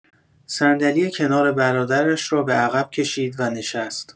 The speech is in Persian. صندلی کنار برادرش را به‌عقب کشید و نشست.